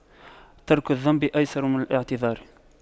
ترك الذنب أيسر من الاعتذار